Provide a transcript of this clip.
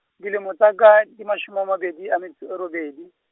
dilemo tsa ka, di mashome a mabedi a metso e robedi.